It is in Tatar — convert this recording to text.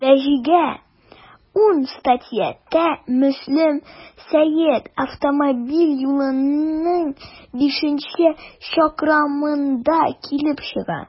Фаҗига 10.00 сәгатьтә Мөслим–Сәет автомобиль юлының бишенче чакрымында килеп чыга.